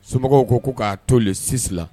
Somɔgɔw ko k'a to sisi la